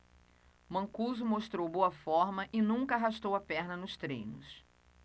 mancuso mostrou boa forma e nunca arrastou a perna nos treinos